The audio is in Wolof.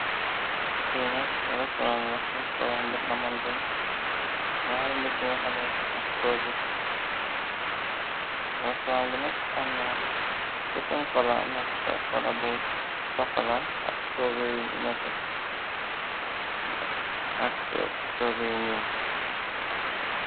Finak rosslan a rossolan ba hamantene 2aar nij ñu foneka akrosslan b nag amna defnkola nak kola bu chokola ketak tobey ñuol.